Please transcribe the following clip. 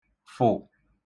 fụ̀